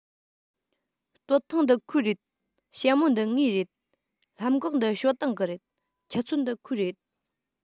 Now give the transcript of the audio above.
སྟོད ཐུང འདི ཁོའི རེད ཞྭ མོ འདི ངའི རེད ལྷམ གོག འདི ཞའོ ཏིང གི རེད ཆུ ཚོད འདི ཁོའི རེད